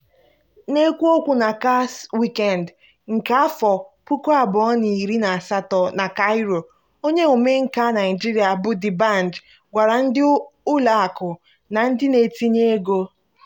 N'ekwu okwu na CAX Weekend nke 2018 na Cairo, onye omenkà Naịjirịa bụ D'Banj gwara ndị ụlọ akụ na ndị na-etinye ego